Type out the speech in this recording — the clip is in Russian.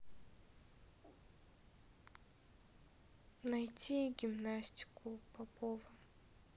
найти гимнастику попова